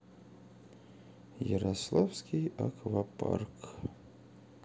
ярославский аквапарк